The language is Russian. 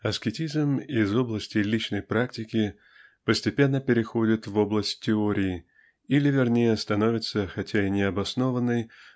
Аскетизм из области личной практики постепенно переходит в область теории или вернее становится хотя и необоснованной